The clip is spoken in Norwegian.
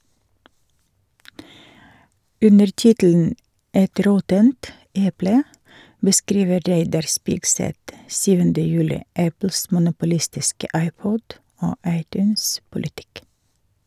Under tittelen «Et råttent eple» beskriver Reidar Spigseth 7. juli Apples monopolistiske iPod- og iTunes-politikk.